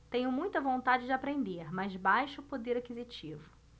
tenho muita vontade de aprender mas baixo poder aquisitivo